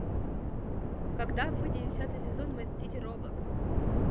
когда выйдет десятый сезон mad city роблокс